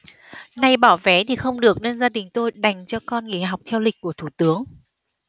nay bỏ vé thì không được nên gia đình tôi đành cho con nghỉ học theo lịch của thủ tướng